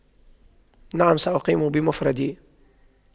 نعم سأقيم بمفردي